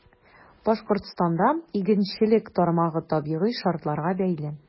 Башкортстанда игенчелек тармагы табигый шартларга бәйле.